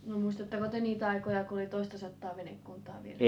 no muistatteko te niitä aikoja kun oli toistasataa venekuntaa vielä